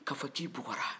ka fɔ k'i bugɔra